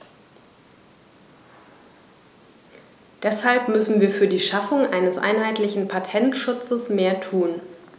Deshalb müssen wir für die Schaffung eines einheitlichen Patentschutzes mehr tun.